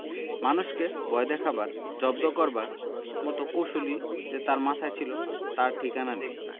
মানুষকে ভয় দেখাবার জব্দ করবার কত কৌশলই যে তার মাথায় ছিল তার ঠিকানা নেই